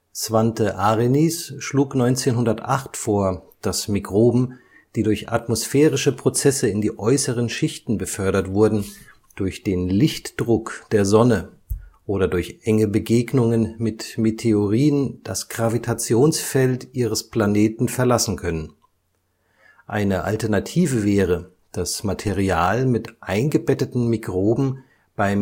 Svante Arrhenius schlug 1908 vor, dass Mikroben, die durch atmosphärische Prozesse in die äußeren Schichten befördert wurden, durch den Lichtdruck der Sonne oder durch enge Begegnungen mit Meteoroiden das Gravitationsfeld ihres Planeten verlassen können. Eine Alternative wäre, dass Material mit eingebetteten Mikroben bei